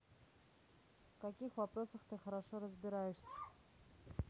в каких вопросах ты хорошо разбираешься